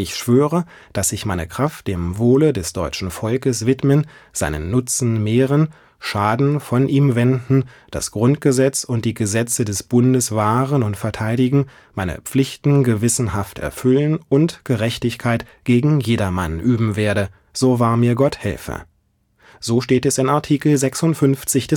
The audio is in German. schwöre, dass ich meine Kraft dem Wohle des deutschen Volkes widmen, seinen Nutzen mehren, Schaden von ihm wenden, das Grundgesetz und die Gesetze des Bundes wahren und verteidigen, meine Pflichten gewissenhaft erfüllen und Gerechtigkeit gegen jedermann üben werde. So wahr mir Gott helfe. “(Art. 56